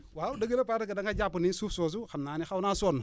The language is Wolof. waaw dëgg la parce que da nga jàpp ne suuf soosu xam naa ne xaw naa sonn